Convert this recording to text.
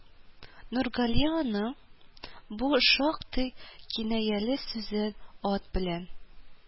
Нургали аның бу шактый кинаяле сүзен, ат белән